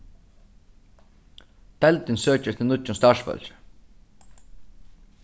deildin søkir eftir nýggjum starvsfólki